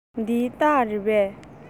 འདི སྟག རེད པས